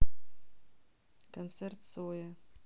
концерт цоя